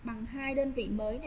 bằng hai đơn vị mới